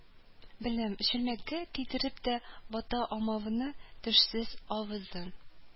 Белән чүлмәккә тидереп тә, вата алмавына тешсез авызын